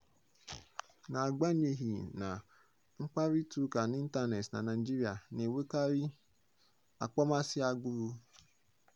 N'agbanyeghị na, mkparịtaụka n'ịntaneetị na Naịjirịa na-enwekarị akpọmasị agbụrụ.